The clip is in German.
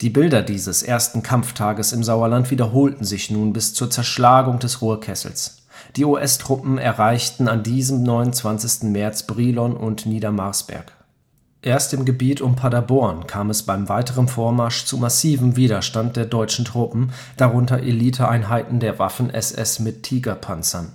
Bilder dieses ersten Kampftages im Sauerland wiederholten sich nun bis zur Zerschlagung des Ruhrkessels. Die US-Truppen erreichten an diesem 29. März Brilon und Niedermarsberg. Erst im Gebiet um Paderborn kam es beim weiteren Vormarsch zu massivem Widerstand der deutschen Truppen, darunter Eliteeinheiten der Waffen-SS mit Tiger-Panzern